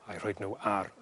a'u rhoid n'w ar